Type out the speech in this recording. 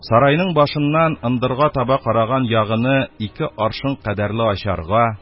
Сарайның башыннан ындырга таба караган ягыны ике аршын кадәрле ачарга,